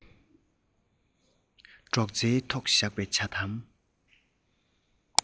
སྒྲོག ཙེའི ཐོག བཞག པའི ཇ དམ